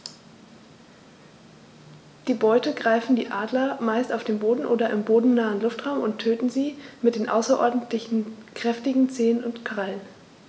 Die Beute greifen die Adler meist auf dem Boden oder im bodennahen Luftraum und töten sie mit den außerordentlich kräftigen Zehen und Krallen.